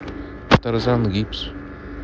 тарзан гипс